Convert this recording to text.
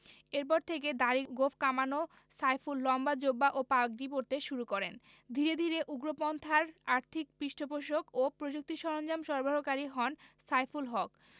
এরপর থেকে দাড়ি গোঁফ কামানো সাইফুল লম্বা জোব্বা ও পাগড়ি পরতে শুরু করেন ধীরে ধীরে উগ্রপন্থার আর্থিক পৃষ্ঠপোষক ও প্রযুক্তি সরঞ্জাম সরবরাহকারী হন সাইফুল হক